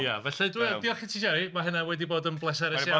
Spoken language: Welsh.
Ia, felly diolch i ti Jerry, ma' hynna wedi bod yn bleserus iawn!